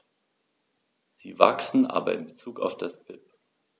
Sie wachsen, aber in bezug auf das BIP.